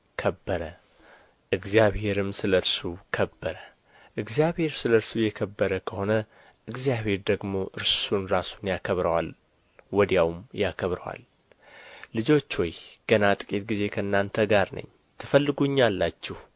ከበረ እግዚአብሔርም ሰለ እርሱ ከበረ እግዚአብሔር ስለ እርሱ የከበረ ከሆነ እግዚአብሔር ደግሞ እርሱን ራሱን ያከብረዋል ወዲያውም ያከብረዋል ልጆች ሆይ ገና ጥቂት ጊዜ ከእናንተ ጋር ነኝ ትፈልጉኛላችሁ